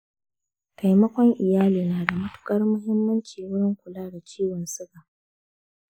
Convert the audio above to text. taimakon iyali na da matuƙar muhimmanci wajen kula da ciwon suga.